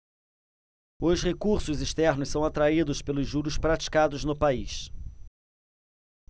os recursos externos são atraídos pelos juros praticados no país